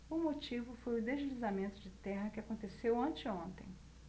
o motivo foi o deslizamento de terra que aconteceu anteontem